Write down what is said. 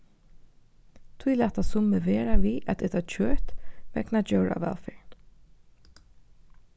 tí lata summi vera við at eta kjøt vegna djóravælferð